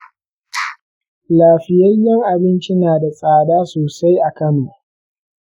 lafiyayyen abinci na da tsada sosai a kano.